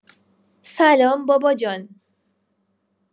سلام بابا جان.